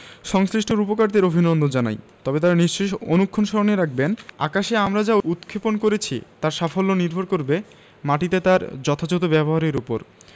সংশ্লিষ্ট রূপকারদের অভিনন্দন জানাই তবে তাঁরা নিশ্চয় অনুক্ষণ স্মরণে রাখবেন আকাশে আমরা যা উৎক্ষেপণ করেছি তার সাফল্য নির্ভর করবে মাটিতে তার যথাযথ ব্যবহারের ওপর